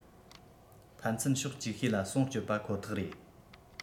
ཕན ཚུན ཕྱོགས ཅིག ཤོས ལ སྲུང སྐྱོབ པ ཁོ ཐག རེད